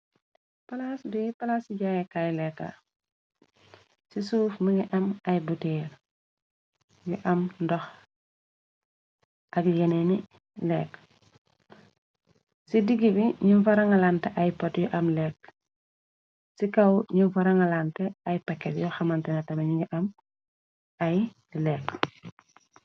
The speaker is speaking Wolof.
palaas buy palaas ci jaayekaay lekka ci suuf më ngi am ay buteel yu am ndox ak yeneeni lekk ci diggi bi ñu faranga lante ay pot yu am lekk ci kaw ñu faranga lante ay paket yu xamantena tame ñi ngi am ay li lekk.